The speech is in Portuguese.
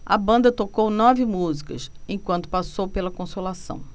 a banda tocou nove músicas enquanto passou pela consolação